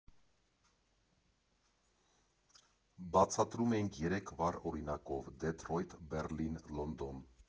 Բացատրում ենք երեք վառ օրինակով՝ Դեթրոյթ, Բեռլին, Լոնդոն։